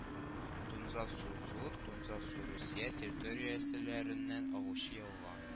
Тунзас-Су Зур Тунзас-Су Русия территорияселәреннән агучы елга